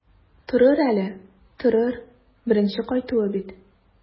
Торыр әле, торыр, беренче кайтуы бит.